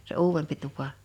se uudempi tupa